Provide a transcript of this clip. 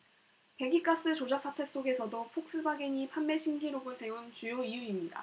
배기가스 조작사태 속에서도 폭스바겐이 판매 신기록을 세운 주요 이유입니다